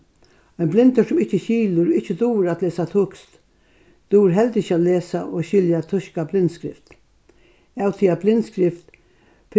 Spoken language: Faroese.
ein blindur sum ikki skilir og ikki dugir at lesa týskt dugir heldur ikki at lesa og skilja týska blindskrift av tí at blindskrift